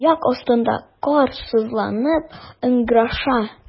Аяк астында кар сызланып ыңгыраша.